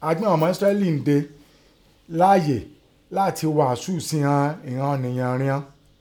A gbé ìnan ọmọ Ísíráélì ǹde láyè láti gháṣẹ́ sẹ́n ìnan ọ̀nìyàn ìran rin an.